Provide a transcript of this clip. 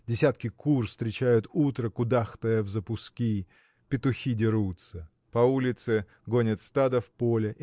Десятки кур встречают утро, кудахтая взапуски; петухи дерутся. По улице гонят стадо в поле.